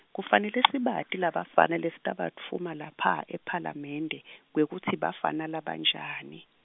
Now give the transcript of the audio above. kufanele sibati labafana lesitawubatfuma lapha ephalamende, kwekutsi bafana labanjani.